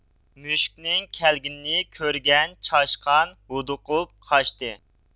مۈشۈكنىڭ كەلگىنىنى كۆرگەن چاشقان ھودۇقۇپ قاچتى